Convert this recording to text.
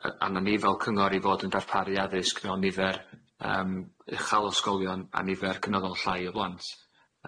y- arnan ni fel cyngor i fod yn darparu addysg mewn nifer yym uchal o ysgolion a nifer cynyddol llai y blant.